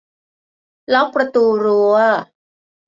ล็อกประรั้ว